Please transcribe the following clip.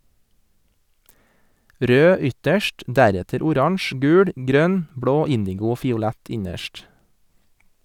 Rød ytterst, deretter oransje, gul, grønn, blå, indigo og fiolett innerst.